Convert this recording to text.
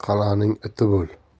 shaharning tozisi bo'l